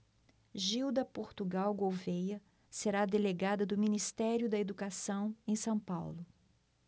gilda portugal gouvêa será delegada do ministério da educação em são paulo